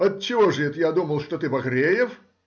Отчего же это я думал, что ты Багреев?